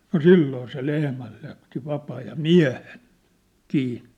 no silloin se lehmän jätti vapaa ja miehen kiinni